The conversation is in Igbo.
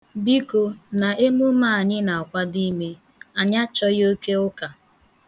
Biko, na emume a anyị na-akwado ime, anyị achọghị oke ụka.